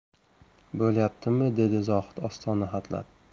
bo'lyaptimi dedi zohid ostona hatlab